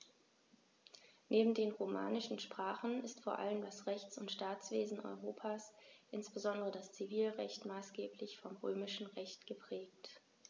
Neben den romanischen Sprachen ist vor allem das Rechts- und Staatswesen Europas, insbesondere das Zivilrecht, maßgeblich vom Römischen Recht geprägt.